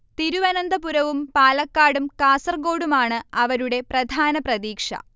തിരുവനന്തപുരവും പാലക്കാടും കാസർകോഡുമാണ് അവരുടെ പ്രധാന പ്രതീക്ഷ